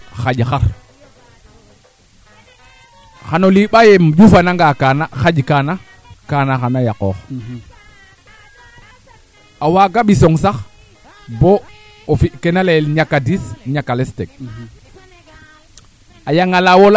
a teɓa ke to'iida to te yoq teɓ aka ando naye meteo leyaan to nani no soo kaaga war'oona aar ando naye kaadiimba foofi arinoa fiya ngaan bo a teɓa mbostu na maaga a gar waaga yaqoond kaaga aussi a naanga jega